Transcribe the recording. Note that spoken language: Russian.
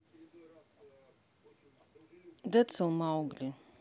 децл маугли